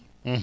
%hm